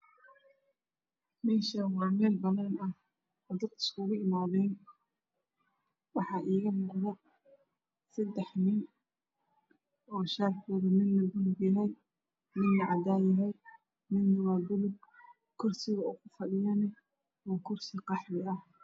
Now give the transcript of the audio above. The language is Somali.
Mashan waa mel banan ah wax iga muuqdo sadax will dharka eey watan waa cadan baluug kursigan waa qahwi